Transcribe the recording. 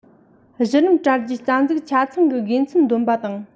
གཞི རིམ དྲ རྒྱའི རྩ འཛུགས ཆ ཚང གི དགེ མཚན འདོན པ དང